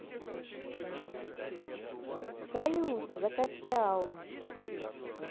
салют закачал